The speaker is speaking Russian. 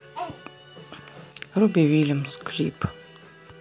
робби уильямс клип